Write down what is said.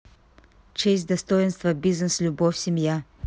честь достоинство бизнес любовь семья